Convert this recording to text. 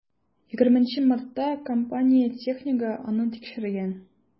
20 мартта компания технигы аны тикшергән.